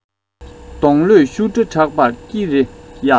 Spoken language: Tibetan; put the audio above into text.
སྡོང ལོས ཤུ སྒྲ བསྒྲགས པར སྐྱི རེ གཡའ